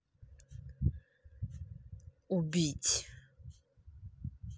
убить